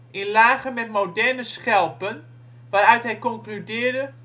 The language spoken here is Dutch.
in lagen met moderne schelpen, waaruit hij concludeerde